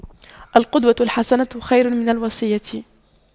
القدوة الحسنة خير من الوصية